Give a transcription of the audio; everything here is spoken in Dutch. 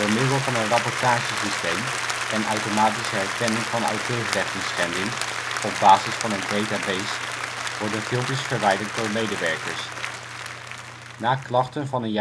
middel van een rapportage-systeem en automatische herkenning van auteursrechtenschending op basis van een database worden filmpjes verwijderd door medewerkers. Na klachten van